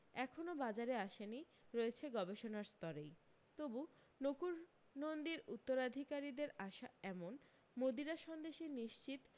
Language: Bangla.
এখনও বাজারে আসেনি রয়েছে গবেষণার স্তরেই তবু নকুড় নন্দীর উত্তরাধিকারীদের আশা এমন মদিরা সন্দেশে নিশ্চিত